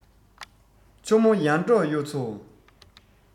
ཆུ མོ ཡར འབྲོག གཡུ མཚོ